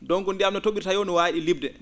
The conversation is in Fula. donc ndiyam no to?irta yoo no waawi ?i li?de